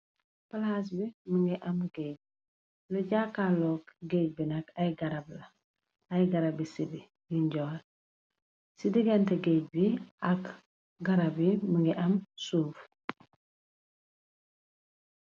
plaas bi mi ngi am géej lu jaakaalook géej binag ay garab la ay garab bi sibi bi njool ci digante géej bi ak garab yi mi ngi am suuf